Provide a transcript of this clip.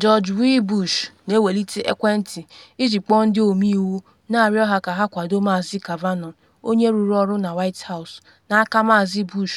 George W. Bush na ewelite ekwentị iji kpọọ Ndị Ọmeiwu, na arịọ ha ka ha kwado Maazị Kavanaugh, onye rụrụ ọrụ na White House n’aka Maazị Bush